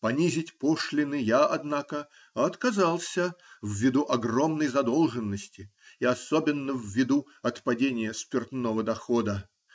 Понизить пошлины я, однако, отказался ввиду огромной задолженности и особенно ввиду отпадения спиртного дохода.